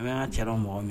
An'a mɔgɔ min